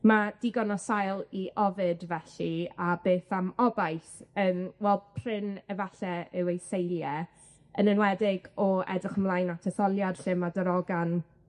Ma' digon o sail i ofid felly, a beth am obaith, yym wel, prin efalle yw eu seilie, yn enwedig o edrych ymlaen at etholiad lle ma' darogan